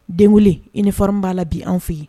Denkelen i nirin b'a la bi an fɛ yen